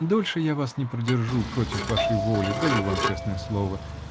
Дольше я вас не продержу, против вашей воли, -- даю вам честное слово.